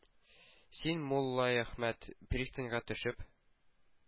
Син, Муллаәхмәт, пристаньга төшеп,